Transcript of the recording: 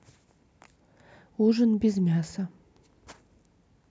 ужин без мяса